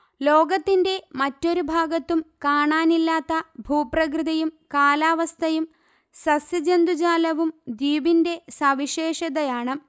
ലോകത്തിന്റെ മറ്റൊരു ഭാഗത്തും കാണാനില്ലാത്ത ഭൂപ്രകൃതിയും കാലാവസ്ഥയും സസ്യജന്തുജാലവും ദ്വീപിന്റെ സവിശേഷതയാണ്